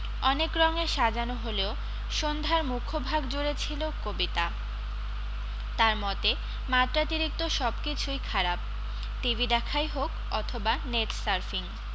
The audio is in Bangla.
অনেক রঙে সাজানো হলেও সন্ধ্যার মুখ্য ভাগ জুড়ে ছিল কবিতা তার মতে মাত্রাতীরিক্ত সব কিছুই খারাপ টিভি দেখাই হোক অথবা নেট সার্ফিং